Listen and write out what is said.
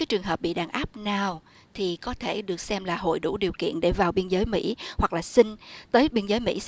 trường hợp bị đàn áp nào nào thì có thể được xem là hội đủ điều kiện để vào biên giới mỹ hoặc là xin tới biên giới mỹ